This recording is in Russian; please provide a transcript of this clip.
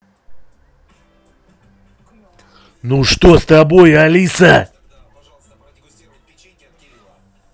ну что с тобой алиса